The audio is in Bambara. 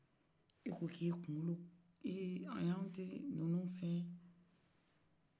eko k'e kunkolo ayi an te se ninu fɛn